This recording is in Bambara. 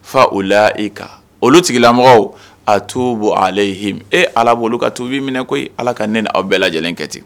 Fa ulaahika ulu tigila mɔgɔw atubu aleyihim e Ala b'ulu ka tubi minɛ koyi Ala ka ne n'aw bɛɛ lajɛlen kɛ